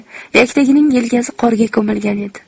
yaktagining yelkasi qorga ko'milgan edi